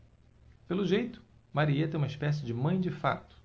pelo jeito marieta é uma espécie de mãe de fato